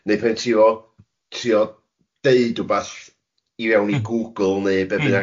neu pen ti 'fo trio deud wbath i fewn i Google neu be bynnag